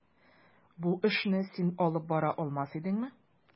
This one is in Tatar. Бу эшне син алып бара алмас идеңме?